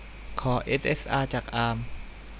ขอเอสเอสอาจากอาม